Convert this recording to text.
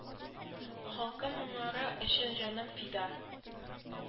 Халкым моңнары өчен җаным фида